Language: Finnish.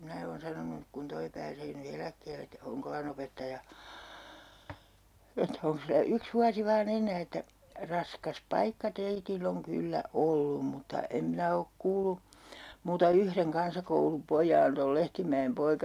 minä olen sanonut kun tuo pääsee nyt eläkkeelle että Honkolan opettaja että onkos sillä yksi vuosi vain enää että raskas paikka teillä on kyllä ollut mutta en minä ole kuullut muuta yhden kansakoulupojan